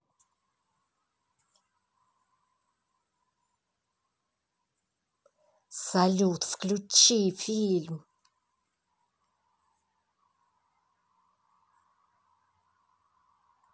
салют выключи фильм